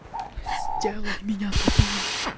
сделай меня тупым